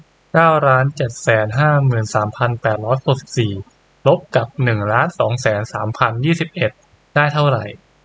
เก้าล้านเจ็ดแสนห้าหมื่นสามพันแปดร้อยหกสิบสี่ลบกับหนึ่งล้านสองแสนสามพันยี่สิบเอ็ดได้เท่าไร